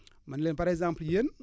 ma ne leen par exemple yéen